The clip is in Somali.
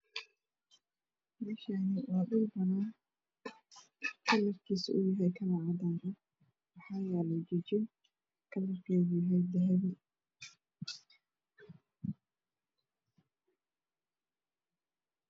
Meeshaan waa dhul cadaan ah waxaa yaalo jijin kalarkeedu uu yahay dahabi.